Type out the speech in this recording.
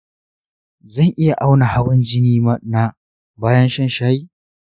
zan iya auna hawan jini na bayan shan shayi?